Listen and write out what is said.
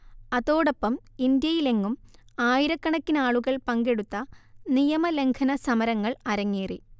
അതോടൊപ്പം ഇന്ത്യയിൽ എങ്ങും ആയിരക്കണക്കിനാളുകൾ പങ്കെടുത്ത നിയമലംഘന സമരങ്ങൾ അരങ്ങേറി